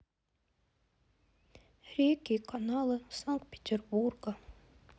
реки и каналы санкт петербурга